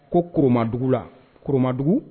Ko Koromandugu la Koromandugu